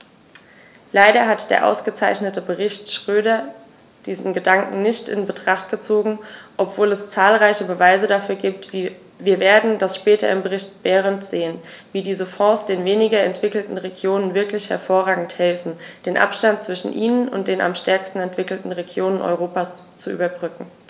Leider hat der ausgezeichnete Bericht Schroedter diesen Gedanken nicht in Betracht gezogen, obwohl es zahlreiche Beweise dafür gibt - wir werden das später im Bericht Berend sehen -, wie diese Fonds den weniger entwickelten Regionen wirklich hervorragend helfen, den Abstand zwischen ihnen und den am stärksten entwickelten Regionen Europas zu überbrücken.